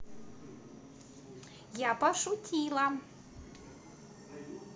я пошутила